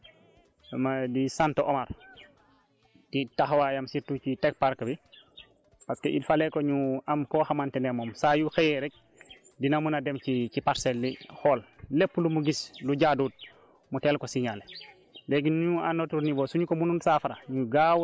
ci loolu tamit dama ciy profité waale ma di sant Omar ci taxawaayam surtout ci teg parc bi parce que il falait que ñu am koo xamante ne moom saa yu xëyee rek dina mun a dem ci ci parcelles yi xool lépp lu mu gis lu jaaduwul mu teel ko signaler